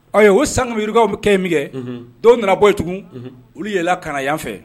Ɔ o sankukaww bɛ kɛ min kɛ dɔw nana bɔ yen tugun olu yɛlɛla ka yan fɛ